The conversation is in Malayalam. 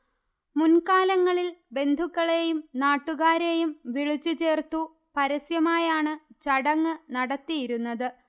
മുൻകാലങ്ങളിൽ ബന്ധുക്കളെയും നാട്ടുകാരെയും വിളിച്ചുചേർത്തു പരസ്യമായാണ് ചടങ്ങ് നടത്തിയിരുന്നത്